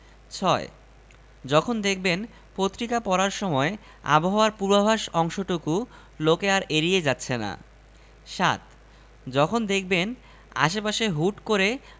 ৬. যখন দেখবেন পত্রিকা পড়ার সময় আবহাওয়ার পূর্বাভাস অংশটুকু লোকে আর এড়িয়ে যাচ্ছে না ৭. যখন দেখবেন আশপাশে হুট করে